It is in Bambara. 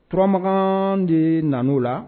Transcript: Turamagan de nan la